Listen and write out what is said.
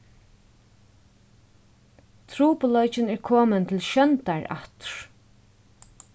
trupulleikin er komin til sjóndar aftur